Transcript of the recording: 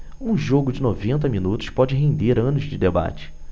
um jogo de noventa minutos pode render anos de debate